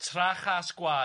Trachas gwaed.